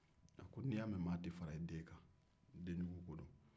a ko ni i y'a mɛn mɔgɔ tɛ fara i den kan den jugu ko don